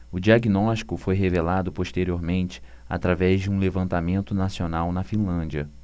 o diagnóstico foi revelado posteriormente através de um levantamento nacional na finlândia